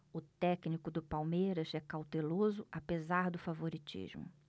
o técnico do palmeiras é cauteloso apesar do favoritismo